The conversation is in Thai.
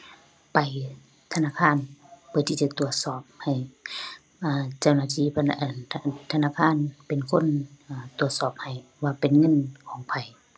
ไปธนาคารเพื่อที่จะตรวจสอบให้ เอ่อ เจ้าหน้าที่เพิ่น อั่น ธนาคารเป็นคน เอ่อ ตรวจสอบให้ว่าเป็นเงินของไผ